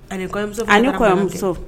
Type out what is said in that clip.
Ani nimuso